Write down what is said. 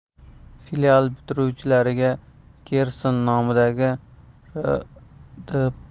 filial bitiruvchilariga gersen nomidagi